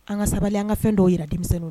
An ka sabali an ka fɛn dɔw yɛrɛ denmisɛnninw